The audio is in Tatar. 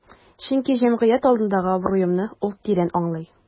Чөнки җәмгыять алдындагы абруемны ул тирән аңлый.